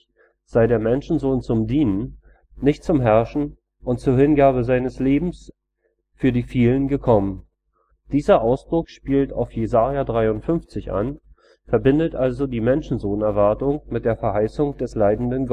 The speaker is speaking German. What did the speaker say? sei der Menschensohn zum Dienen, nicht zum Herrschen, und zur Hingabe seines Lebens " für die Vielen " gekommen: Dieser Ausdruck spielt auf Jes 53 an, verbindet also die Menschensohnerwartung mit der Verheißung des leidenden